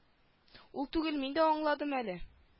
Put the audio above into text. Ул түгел мин дә аңладым әле